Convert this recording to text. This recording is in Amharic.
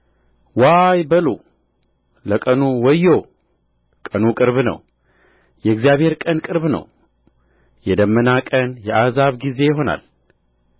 ዋይ በሉ ለቀኑ ወዮ ቀኑ ቅርብ ነው የእግዚአብሔር ቀን ቅርብ ነው የደመና ቀን የአሕዛብ ጊዜ ይሆናል